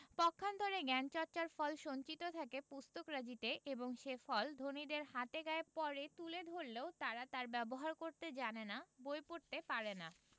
পক্ষান্তরে জ্ঞানচর্চার ফল সঞ্চিত থাকে পুস্তকরাজিতে এবং সে ফল ধনীদের হাতে গায়ে পড়ে তুলে ধরলেও তারা তার ব্যবহার করতে জানে না বই পড়তে পারে না